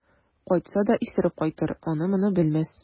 Кайтса да исереп кайтыр, аны-моны белмәс.